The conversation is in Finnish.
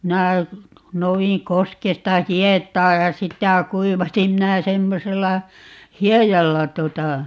minä noudin koskesta hietaa ja sitä kuivasin minä semmoisella hiedalla tuota